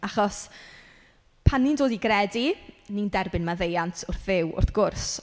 Achos pan ni'n dod i gredu, ni'n derbyn meddeuant wrth fyw wrth gwrs.